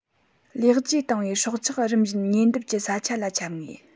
ལེགས བཅོས བཏང བའི སྲོག ཆགས རིམ བཞིན ཉེ འདབས ཀྱི ས ཆ ལ ཁྱབ ངེས